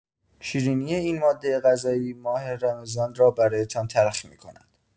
شیرینی این ماده غذایی ماه رمضان را برایتان تلخ می‌کند.